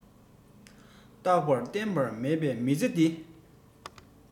རྟག པ བརྟན པ མེད པའི མི ཚེ འདི